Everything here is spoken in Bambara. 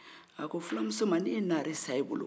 a ko filamuso ma ne ye naare san e bolo